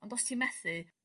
ond o's ti'n methu